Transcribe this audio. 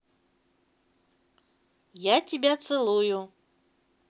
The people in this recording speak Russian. я тебя целую